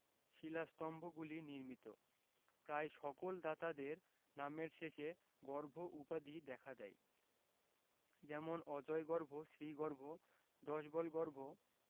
শিলাস্তম্ভগুলি নির্মিত প্রায় সকল দাতাদের নামের শেষে গর্ভ উপাধি দেখা যায় যেমন অজয়গর্ভ শ্রীগর্ভ দশবলগর্ভ